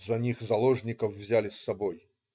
- "За них заложников взяли с собой".